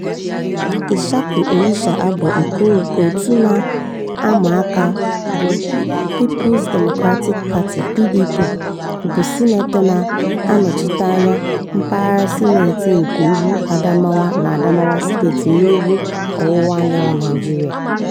Ishaku Elisha Abbo nke òtù na-ama aka bụ People's Democratic Party (PDP) bụ sinetọ na-anọchite anya Mpaghara Sineeti nke Ugwu Adamawa n'Adamawa Steeti, n'ugwu ọwụwaanyanwụ Naịjirịa.